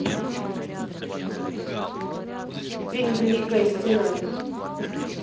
фильм великая стена